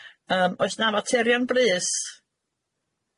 Yym oes na faterion brys?